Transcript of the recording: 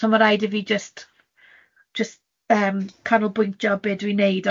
so ma' raid i fi jyst jyst yym canolbwyntio be dwi'n wneud,